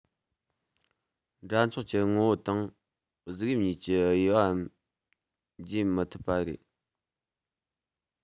འདྲ མཚུངས ཀྱི ངོ བོ དང གཟུགས དབྱིབས གཉིས ཀྱི དབྱེ བའང འབྱེད མི ཐུབ པ ཡིན